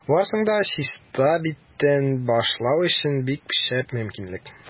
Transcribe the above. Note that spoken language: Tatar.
Барысын да чиста биттән башлау өчен бик шәп мөмкинлек.